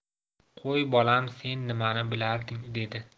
qo'y bolam sen nimani bilarding dedi